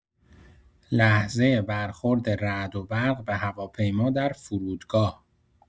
لحظه برخورد رعد و برق به هواپیما در فرودگاه